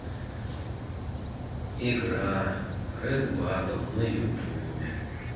игра рэд батл на ютубе